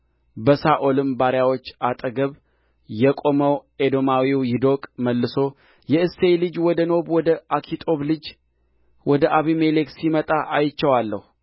በሳኦልም ባሪያዎች አጠገብ የቆመው ኤዶማዊው ዶይቅ መልሶ የእሴይ ልጅ ወደ ኖብ ወደ አኪጦብ ልጅ ወደ አቢሜሌክ ሲመጣ አይቼዋለሁ